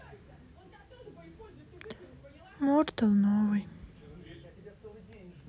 мортал новый